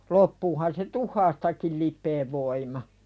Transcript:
loppuuhan se tuhkastakin lipeän voima